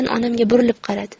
onamga burilib qaradi